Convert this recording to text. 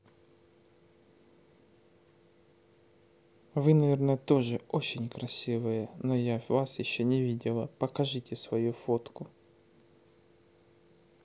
вы наверное тоже очень красивые но я вас еще не видела покажите свою фотку